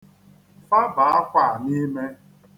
Fabaa akwa a n'ime.